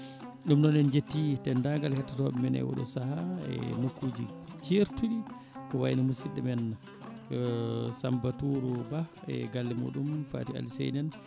ɗum noon en jetti dendagal hettotoɓe menne oɗo saaha e nokkuji certuɗi ko wayno musidɗo men Sambatourou Ba e galle muɗum Faty Alisseyni en